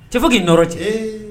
Cɛ fo k'i nɔɔrɔ cɛ